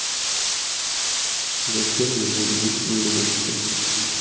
зачем я зарегистрировался